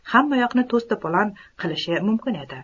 hammayoqning to's to'polonini chiqarishi mumkin edi